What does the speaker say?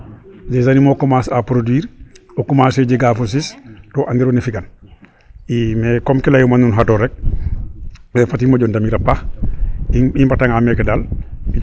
Les animaux commence a produire o commencer jega fo siis to andiro ne o fi'kan i mais comme ke layuuma nuun xatoor rek fat i moƴo ndamir a paax i mbatanga meke daal.